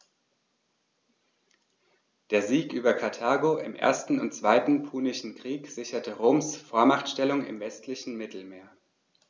Der Sieg über Karthago im 1. und 2. Punischen Krieg sicherte Roms Vormachtstellung im westlichen Mittelmeer.